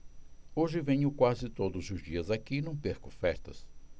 hoje venho quase todos os dias aqui e não perco festas